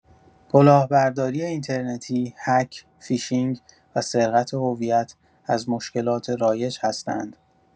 کلاهبرداری اینترنتی، هک، فیشینگ، و سرقت هویت از مشکلات رایج هستند.